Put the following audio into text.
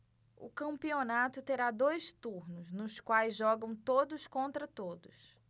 o campeonato terá dois turnos nos quais jogam todos contra todos